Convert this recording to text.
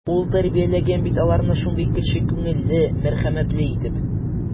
Ул тәрбияләгән бит аларны шундый кече күңелле, мәрхәмәтле итеп.